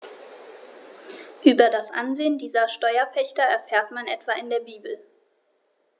Über das Ansehen dieser Steuerpächter erfährt man etwa in der Bibel.